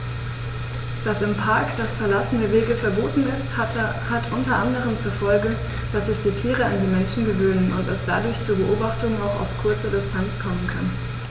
Dass im Park das Verlassen der Wege verboten ist, hat unter anderem zur Folge, dass sich die Tiere an die Menschen gewöhnen und es dadurch zu Beobachtungen auch auf kurze Distanz kommen kann.